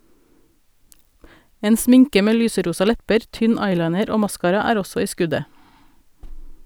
En sminke med lyserosa lepper, tynn eyeliner og maskara er også i skuddet.